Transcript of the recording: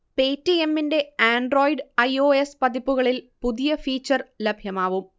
പേറ്റിയമ്മിന്റെ Android I. O. S പതിപ്പുകളിൽ പുതിയ feature ലഭ്യമാവും